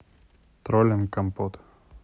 троллинг компот